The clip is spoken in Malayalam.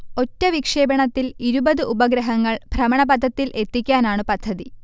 ഒറ്റ വിക്ഷേപണത്തിൽ ഇരുപത് ഉപഗ്രഹങ്ങൾ ഭ്രമണപഥത്തിൽ എത്തിക്കാനാണ് പദ്ധതി